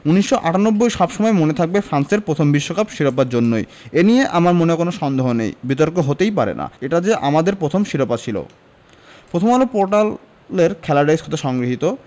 ১৯৯৮ সব সময়ই মনে থাকবে ফ্রান্সের প্রথম বিশ্বকাপ শিরোপার জন্যই এ নিয়ে আমার মনে কোনো সন্দেহ নেই বিতর্ক হতেই পারে না এটা যে আমাদের প্রথম শিরোপা ছিল প্রথমআলো পোর্টালের খেলা ডেস্ক হতে সংগৃহীত